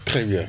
très bien